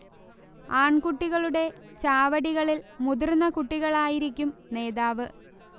ആൺകുട്ടികളുടെ ചാവടികളിൽ മുതിർന്ന കുട്ടികളായിരിക്കും നേതാവ്